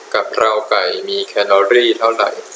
กะเพราไก่มีแคลอรี่เท่าไหร่